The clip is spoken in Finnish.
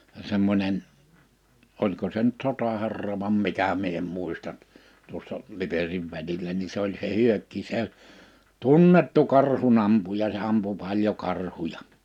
semmoinen oliko se nyt sotaherra vai mikä minä en muista tuossa Liperin välillä niin se oli se Hyökki se tunnettu karhun ampuja se ampui paljon karhuja